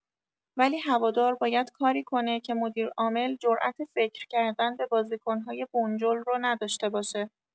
ولی هوادار باید کاری کنه که مدیر عامل جرات فکر کردن به بازیکن‌های بنجل رو نداشته باشه